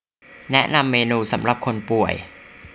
แนะนำเมนูสำหรับคนป่วย